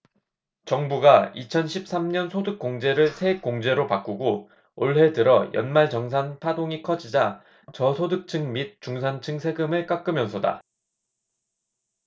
정부가 이천 십 삼 년 소득공제를 세액공제로 바꾸고 올해 들어 연말정산 파동이 커지자 저소득층 및 중산층 세금을 깎으면서다